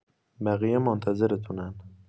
بقیه منتظرتونن.